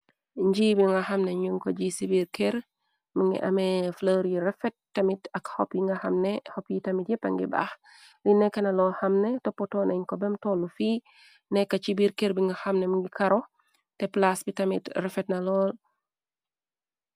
Njii bi nga xamne ñën ko ji ci biir kër mi ngi amee flër yi refet tamit ak xop yi nga xamne xop yi tamit yéppa ngi baax li nekk na loo xamne toppotoonañ ko bem tollu fi nekk ci biir kër bi nga xamne mingi karo te plaas bi tamit refet na lool.